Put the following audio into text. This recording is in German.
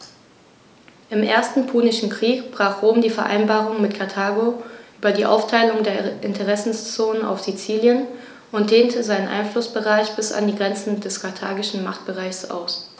Im Ersten Punischen Krieg brach Rom die Vereinbarung mit Karthago über die Aufteilung der Interessenzonen auf Sizilien und dehnte seinen Einflussbereich bis an die Grenze des karthagischen Machtbereichs aus.